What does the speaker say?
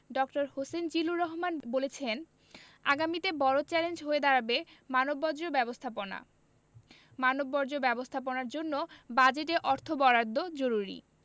ড হোসেন জিল্লুর রহমান বলেছেন আগামীতে বড় চ্যালেঞ্জ হয়ে দাঁড়াবে মানববর্জ্য ব্যবস্থাপনা মানববর্জ্য ব্যবস্থাপনার জন্য বাজেটে অর্থ বরাদ্দ জরুরি